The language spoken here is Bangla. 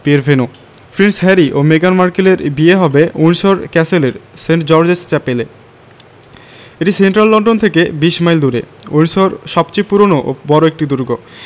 বিয়ের ভেন্যু প্রিন্স হ্যারি ও মেগান মার্কেলের বিয়ে হবে উইন্ডসর ক্যাসেলের সেন্ট জর্জেস চ্যাপেলে এটি সেন্ট্রাল লন্ডন থেকে ২০ মাইল দূরে উইন্ডসর সবচেয়ে পুরোনো ও বড় একটি দুর্গ